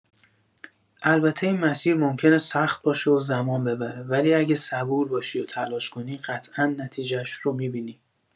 البته این مسیر ممکنه سخت باشه و زمان ببره، ولی اگه صبور باشی و تلاش کنی، قطعا نتیجه‌اش رو می‌بینی.